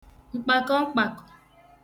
mkpakọm̀kpàkọ̀